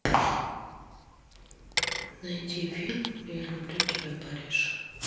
найди фильм я люблю тебя париж